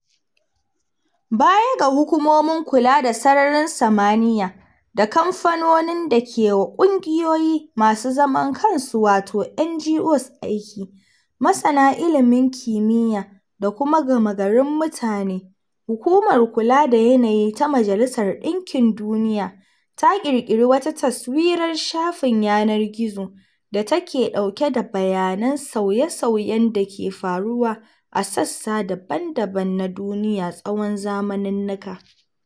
Baya ga hukumomin kula da sararin samaniya da kamfanonin da kewa ƙungiyoyi masu zaman kansu, wato NGOs aiki, masana ilimin kimiyya da kuma gama garin mutane, Hukumar Kula da Yanayi ta Majalisar Ɗinkin Duniya ta ƙirƙiri wata taswirar shafin yanar gizo da take ɗauke da bayanan sauye-sauyen dake faruwa a sassa daban-daban na duniya tsawon zamaninnika.